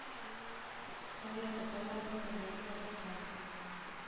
Кая, тоталармы соң мондый вакытта